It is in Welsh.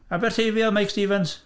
Aberteifi oedd Meic Stevens?